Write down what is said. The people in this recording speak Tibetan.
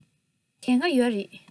དེ སྔ ཡོད རེད